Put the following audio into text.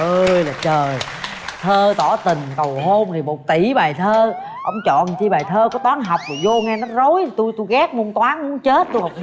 trời ơi là trời thơ tỏ tình cầu hôn thì một tỷ bài thơ ông chọn chi bài thơ của toán học mà vô nghe nó rối tui tui ghét môn toán mún chớt chớ tôi học dốt